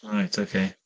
Reit, ok.